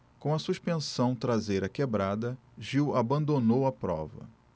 com a suspensão traseira quebrada gil abandonou a prova